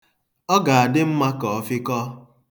Ọ ga-adị mma ka ọ fịkọọ.